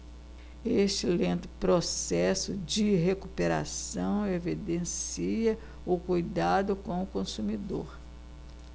este lento processo de recuperação evidencia o cuidado com o consumidor